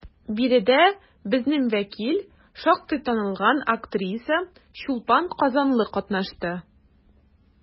Биредә безнең вәкил, шактый танылган актриса Чулпан Казанлы катнашты.